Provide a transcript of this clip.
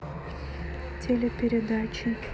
телепередачи